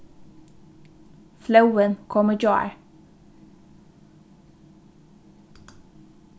flóvin kom í gjár